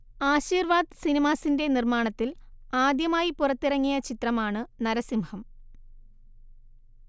ആശീർവാദ് സിനിമാസിന്റെ നിർമ്മാണത്തിൽ ആദ്യമായി പുറത്തിറങ്ങിയ ചിത്രമാണ് നരസിംഹം